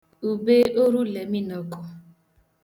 ùbeoruleminiọkụ